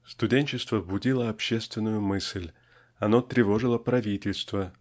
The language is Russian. Студенчество будило общественную мысль оно тревожило правительство